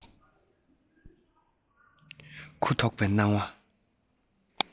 གུ དོག པའི སྣང བ